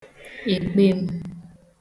èkpem̄